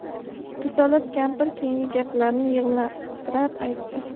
risolat kampir keyingi gaplarini yig'lamsirab aytdi